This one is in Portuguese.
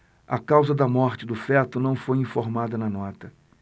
a causa da morte do feto não foi informada na nota